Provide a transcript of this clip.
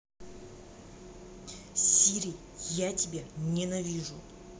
сири я тебя ненавижу